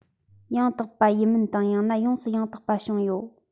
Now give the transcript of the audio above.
ཡང དག པ ཡིན མིན དང ཡང ན ཡོངས སུ ཡང དག པ བྱུང ཡོད